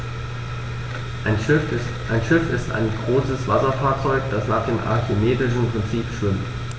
Ein Schiff ist ein größeres Wasserfahrzeug, das nach dem archimedischen Prinzip schwimmt.